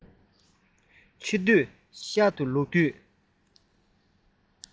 ཕྱིར སྡོད ཤག ཏུ ལོག དུས